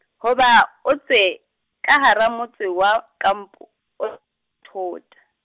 hoba o tswe, ka hara motse wa, kampo, thota.